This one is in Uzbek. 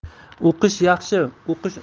o'qish yaxshi uqish